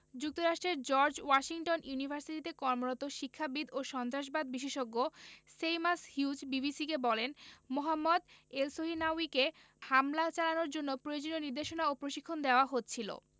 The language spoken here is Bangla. যুক্তরাষ্ট্রের জর্জ ওয়াশিংটন ইউনিভার্সিটিতে কর্মরত শিক্ষাবিদ ও সন্ত্রাসবাদ বিশেষজ্ঞ সেইমাস হিউজ বিবিসিকে বলেন মোহাম্মদ এলসহিনাউয়িকে হামলা চালানোর জন্য প্রয়োজনীয় নির্দেশনা ও প্রশিক্ষণ দেওয়া হচ্ছিল